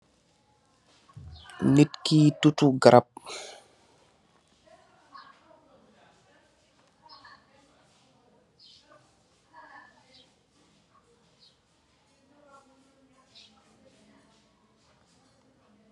Nit kii tutu garap.